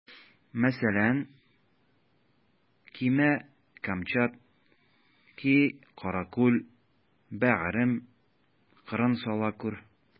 Мәсәлән: Кимә камчат, ки каракүл, бәгърем, кырын сала күр.